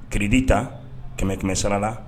Kiridi ta kɛmɛ kɛmɛ sarala